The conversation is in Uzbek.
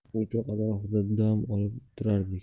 o'choq atrofida dam olib o'tirardik